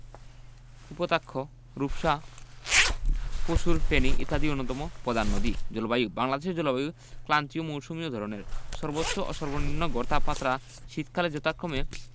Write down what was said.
কপোতাক্ষ রূপসা পসুর ফেনী ইত্যাদি অন্যতম প্রধান নদী জলবায়ুঃ বাংলাদেশের জলবায়ু ক্রান্তীয় মৌসুমি ধরনের সর্বোচ্চ ও সর্বনিম্ন গড় তাপমাত্রা শীতকালে যথাক্রমে